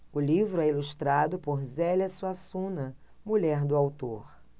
o livro é ilustrado por zélia suassuna mulher do autor